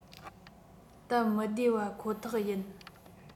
སྟབས མི བདེ བ ཁོ ཐག ཡིན